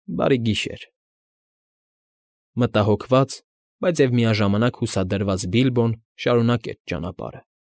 Բարի գիշեր։ Մտահոգված, բայց և միաժամանակ հուսադրված Բիլբոն շարունակեց ճանապարհը։